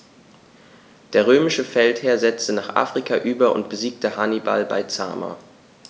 Der römische Feldherr setzte nach Afrika über und besiegte Hannibal bei Zama.